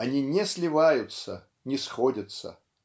Они не сливаются, не сходятся.